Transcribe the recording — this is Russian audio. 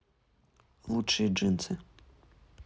лучшие джинсы